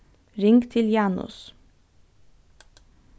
ring til janus